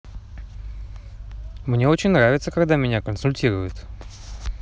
мне очень нравится когда меня консультируют